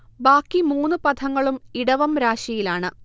ബാക്കി മൂന്നു പഥങ്ങളും ഇടവം രാശിയിൽ ആണ്